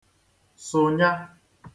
sụ̀nya